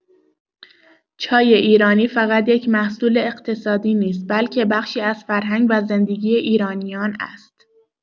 چای ایرانی فقط یک محصول اقتصادی نیست، بلکه بخشی از فرهنگ و زندگی ایرانیان است.